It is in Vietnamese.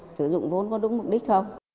sử dụng vốn vốn đúng mục đích không